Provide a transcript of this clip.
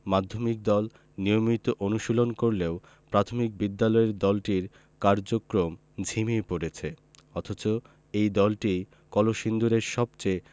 মাধ্যমিক দল নিয়মিত অনুশীলন করলেও প্রাথমিক বিদ্যালয়ের দলটির কার্যক্রম ঝিমিয়ে পড়েছে অথচ এই দলটিই কলসিন্দুরের সবচেয়ে